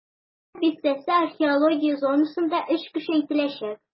"татар бистәсе" археология зонасында эш көчәйтеләчәк.